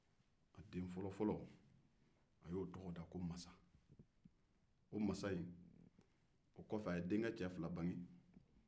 a y'a den fɔlo tɔgɔ da ko masa a ye denkɛ cɛ fila bange masa kɔfɛ